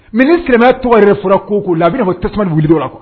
Mini silamɛ tɔgɔ yɛrɛ fɔra ko ko la a bɛna ma tasuma wuli dɔw la